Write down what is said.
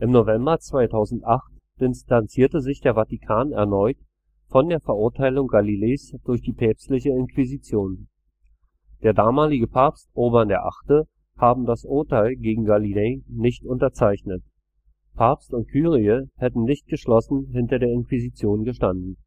November 2008 distanzierte sich der Vatikan erneut von der Verurteilung Galileis durch die päpstliche Inquisition. Der damalige Papst Urban VIII. habe das Urteil gegen Galilei nicht unterzeichnet, Papst und Kurie hätten nicht geschlossen hinter der Inquisition gestanden